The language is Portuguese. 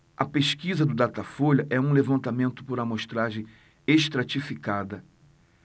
a pesquisa do datafolha é um levantamento por amostragem estratificada